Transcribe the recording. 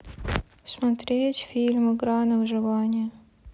смотреть фильм игра на выживание